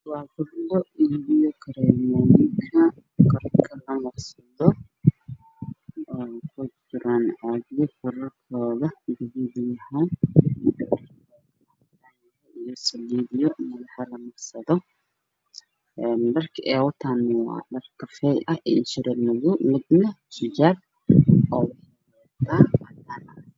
Waa meel ay yaalaan daawo waxaa jooga gabdho waxey wataan galoofis madow